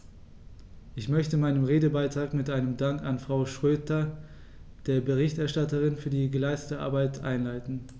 Ich möchte meinen Redebeitrag mit einem Dank an Frau Schroedter, der Berichterstatterin, für die geleistete Arbeit einleiten.